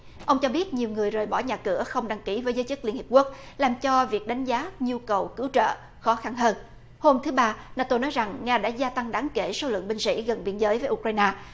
ông cho biết nhiều người rời bỏ nhà cửa không đăng ký với giới chức liên hiệp quốc làm cho việc đánh giá nhu cầu cứu trợ khó khăn hơn hôm thứ ba na tô nói rằng nga đã gia tăng đáng kể số lượng binh sĩ gần biên giới và u cờ rây na